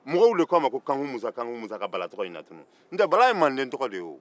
mɔgɔw de k'a ma ko kanku musa kanku musa k'a bala tɔgɔ in na tunun n'o tɛ bala ye manden tɔgɔ de ye wo